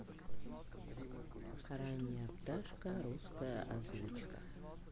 ранняя пташка русская озвучка